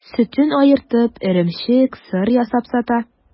Сөтен аертып, эремчек, сыр ясап сата.